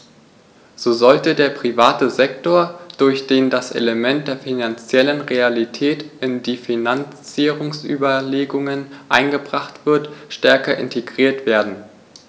So sollte der private Sektor, durch den das Element der finanziellen Realität in die Finanzierungsüberlegungen eingebracht wird, stärker integriert werden.